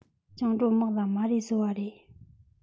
བཅིངས འགྲོལ དམག མ རེད བཟོ བ རེད